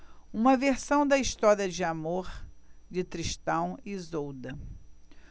uma versão da história de amor de tristão e isolda